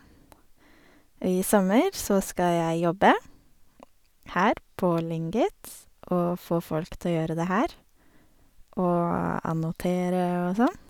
Og i sommer så skal jeg jobbe her på Lingit og få folk til å gjøre det her og annotere og sånn.